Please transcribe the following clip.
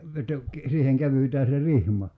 että siihen kävytään se rihma